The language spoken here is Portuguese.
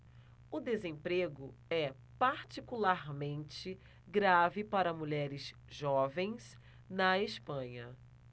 o desemprego é particularmente grave para mulheres jovens na espanha